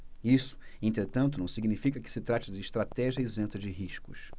isso entretanto não significa que se trate de estratégia isenta de riscos